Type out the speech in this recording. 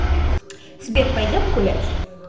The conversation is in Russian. сбер пойдем гулять